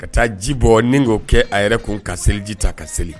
Ka taa ji bɔ ni k'o kɛ a yɛrɛ kun ka seliji ta ka seli.